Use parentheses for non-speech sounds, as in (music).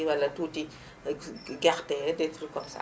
walla tuuti (inhales) gerte des trucs comme ça